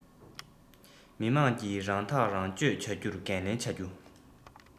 མི དམངས ཀྱིས རང ཐག རང གཅོད བྱ རྒྱུར འགན ལེན བྱ རྒྱུ